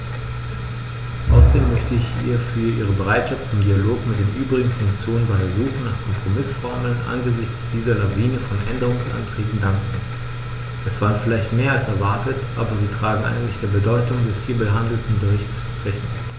Außerdem möchte ich ihr für ihre Bereitschaft zum Dialog mit den übrigen Fraktionen bei der Suche nach Kompromißformeln angesichts dieser Lawine von Änderungsanträgen danken; es waren vielleicht mehr als erwartet, aber sie tragen eigentlich der Bedeutung des hier behandelten Berichts Rechnung.